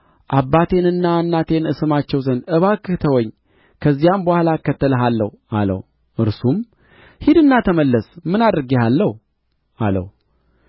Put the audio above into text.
አባቴንና እናቴን እስማቸው ዘንድ እባክህ ተወኝ ከዚያም በኋላ እከተልሃለሁ አለው እርሱም ሂድና ተመለስ ምን አድርጌልሃለሁ አለው